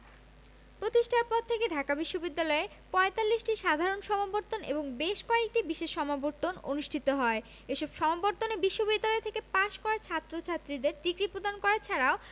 প্রতিষ্ঠার পর থেকে ঢাকা বিশ্ববিদ্যালয়ে ৪৫টি সাধারণ সমাবর্তন এবং বেশ কয়েকটি বিশেষ সমাবর্তন অনুষ্ঠিত হয় এসব সমাবর্তনে বিশ্ববিদ্যালয় থেকে পাশ করা ছাত্রছাত্রীদের ডিগ্রি প্রদান করা ছাড়াও